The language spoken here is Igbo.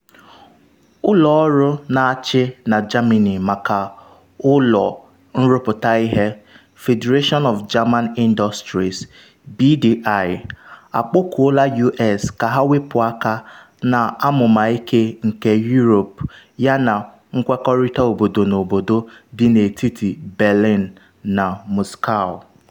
Ụlọ ọrụ na-achị na Germany maka ụlọ nrụpụta ihe, Federation of German Industries (BDI), akpọkuola US ka ha wepu aka na amụma ike nke Europe yana nkwekọrịta obodo na obodo dị n’etiti Berlin na Moscow.